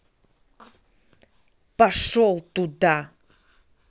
пошел туда